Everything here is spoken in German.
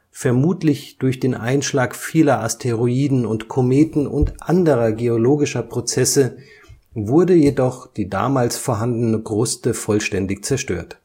Vermutlich durch den Einschlag vieler Asteroiden und Kometen und anderer geologischer Prozesse wurde jedoch die damals vorhandene Kruste vollständig zerstört